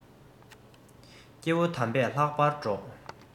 སྐྱེ བོ དམ པས ལྷག པར སྒྲོགས